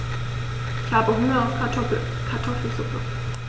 Ich habe Hunger auf Kartoffelsuppe.